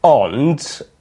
Ond